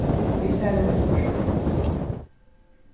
vit fara umborð